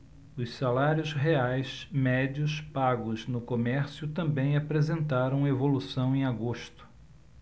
os salários reais médios pagos no comércio também apresentaram evolução em agosto